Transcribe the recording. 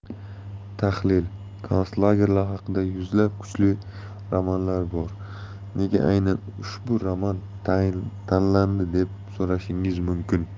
tahlilkonslagerlar haqida yuzlab kuchli romanlar bor nega aynan ushbu roman tanlandi deb so'rashingiz mumkin